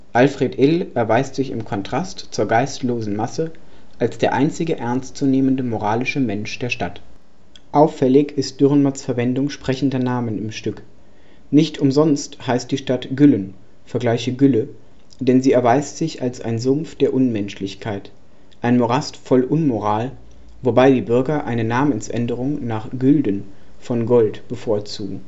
Alfred Ill erweist sich im Kontrast zur geistlosen Masse als der einzige ernst zu nehmende moralische Mensch der Stadt. Auffällig ist Dürrenmatts Verwendung sprechender Namen im Stück. Nicht umsonst heißt die Stadt „ Güllen “(vgl. Gülle), denn sie erweist sich als ein Sumpf der Unmenschlichkeit, ein Morast voll Unmoral, wobei die Bürger eine Namensänderung nach „ Gülden “(von Gold) bevorzugen